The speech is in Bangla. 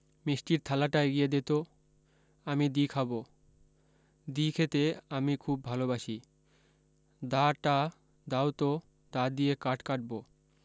মিষ্টির থালাটা এগিয়ে দে তো আমি দি খাবো দি খেতে আমি খুব ভালো বাসি দা টা দাও তো দা দিয়ে কাঠ কাটবো